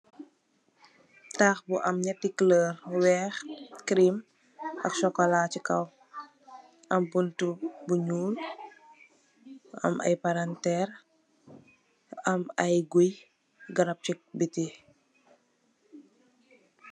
Tax bu am nyetti color weex crime ak sokola si kaw am buntu bu nyuul am ay palantir am ay gui garab ci bitti.